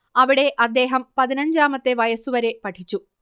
അവിടെ അദ്ദേഹം പതിനഞ്ചാമത്തെ വയസ്സുവരെ പഠിച്ചു